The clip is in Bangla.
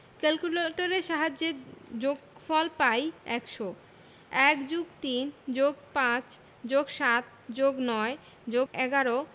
ক্যালকুলেটরের সাহায্যে যোগফল পাই ১০০ ১+৩+৫+৭+৯+১১